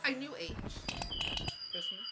I knew Aitch... Personally?